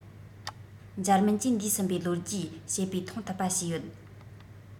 འཇར མན གྱིས འདས ཟིན པའི ལོ རྒྱུས བྱེད པའི མཐོང ཐུབ པ བྱས ཡོད